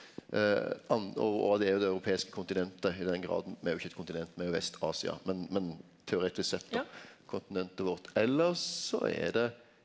europeiske kontinentet i den grad me er jo ikkje eit kontinent me er Vest-Asia men men teoretisk sett då kontinentet vårt, eller så er det.